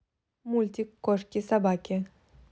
мультик кошки собаки